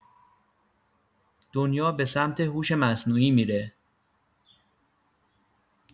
دنیا به سمت هوش مصنوعی می‌ره